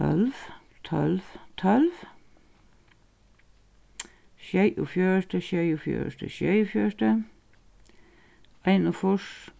tólv tólv tólv sjeyogfjøruti sjeyogfjøruti sjeyogfjøruti einogfýrs